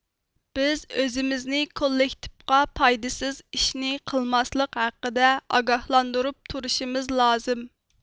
بىز ئۆزىمىزنى كوللېكتىپقا پايدىسىز ئىشنى قىلماسلىق ھەققىدە ئاگاھلاندۇرۇپ تۇرشىمىز لازىم